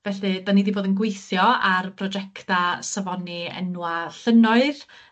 Felly 'dan ni 'di bod yn gweithio ar brojecta safoni enwa' llynnoedd